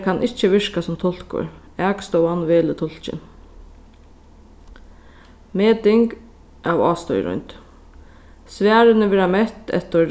kann ikki virka sum tulkur akstovan velur tulkin meting av ástøðisroynd svarini verða mett eftir